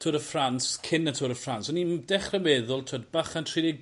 Tour de France cyn y Tour de France o'n i'n dechre meddwl t'wod bachan tri deg